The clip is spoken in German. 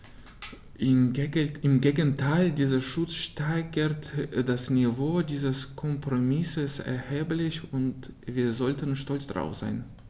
Im Gegenteil: Dieser Schutz steigert das Niveau dieses Kompromisses erheblich, und wir sollten stolz darauf sein.